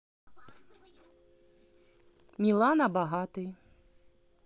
милана богатый